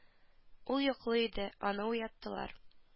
Ул йоклый иде аны уяттылар